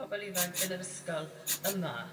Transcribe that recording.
pobol ifanc yn yr ysgol yma